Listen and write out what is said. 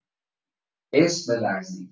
عشق بورزیم.